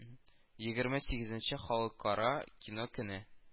Егерме сигезенче халыкара кино көне